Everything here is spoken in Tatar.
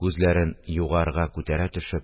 Күзләрен югарыга күтәрә төшеп,